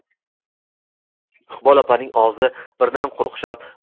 iqbol opaning ogzi birdan quruqshab